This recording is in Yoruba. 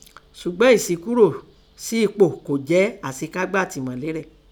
sùgbọ́n ẹsíkúrò sẹ́ epò kọ́ jẹ́ àṣekágbá àtìmọ́lée rẹ̀.